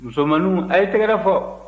musomanninw a ye tɛgɛrɛ fɔ